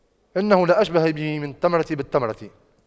إنه لأشبه به من التمرة بالتمرة